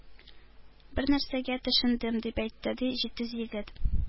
Бернәрсәгә төшендем, — дип әйтте, ди, җитез егет.